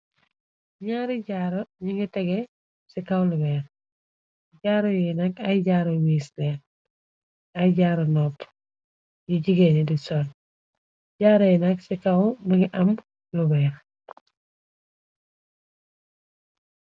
ñaari jaaru, ñi ngi tege ci kaw lu weex, jaaruy yinag, ay jaaru wheesleen ay jaaro nopu, yi jigéeni di sol, jaaro yinak ci kaw mungi am lu beex.